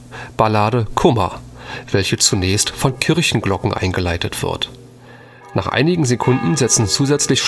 Ballade Kummer, welche zunächst von Kirchenglocken eingeleitet wird. Nach einigen Sekunden setzen zusätzlich